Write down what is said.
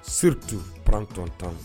Surtout prend ton temps